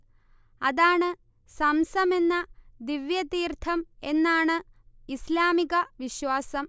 അതാണ് സംസം എന്ന ദിവ്യതീർത്ഥം എന്നാണ് ഇസ്ലാമിക വിശ്വാസം